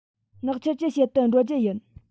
ནག ཆུར ཅི བྱེད དུ འགྲོ རྒྱུ ཡིན